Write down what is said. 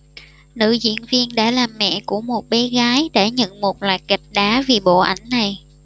nữ diễn viên đã làm mẹ của một bé gái đã nhận một loạt gạch đá vì bộ ảnh này